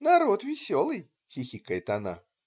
народ веселый",- хихикает она.